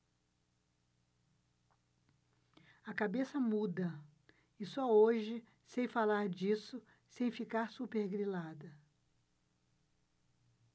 a cabeça muda e só hoje sei falar disso sem ficar supergrilada